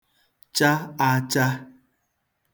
cha āchā